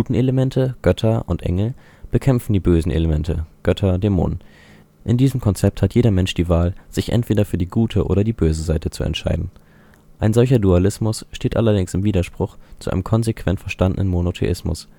Elemente (Götter/Engel) bekämpfen die bösen Elemente (Götter/Dämonen). In diesem Konzept hat jeder Mensch die Wahl, sich entweder für die gute oder die böse Seite zu entscheiden. Ein solcher Dualismus steht allerdings im Widerspruch zu einem konsequent verstandenen Monotheismus